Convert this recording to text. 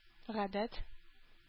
Гадәт